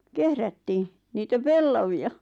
kehrättiin niitä pellavia